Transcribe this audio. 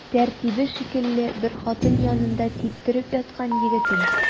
Тәртибе шикле бер хатын янында типтереп яткан егетең.